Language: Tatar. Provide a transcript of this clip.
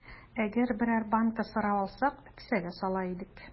Әгәр берәр банка сыра алсак, кесәгә сала идек.